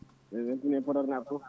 eyyi mi weltini hen Podor naaɓe foof